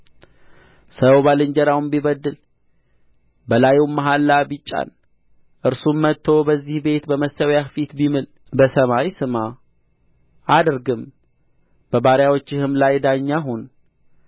ሰው ባልንጀራውን ቢበድል በላዩም መሐላ ቢጫን እርሱም መጥቶ በዚህ ቤት በመሠዊያህ ፊት ቢምል በሰማይ ስማ አድርግም በባሪያዎችህም ላይ ዳኛ ሁን